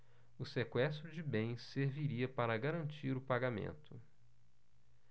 o sequestro de bens serviria para garantir o pagamento